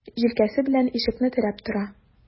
Җилкәсе белән ишекне терәп тора.